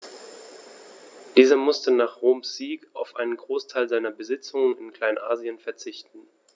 Dieser musste nach Roms Sieg auf einen Großteil seiner Besitzungen in Kleinasien verzichten.